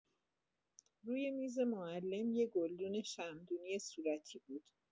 روی میز معلم یه گلدون شمعدونی صورتی بود.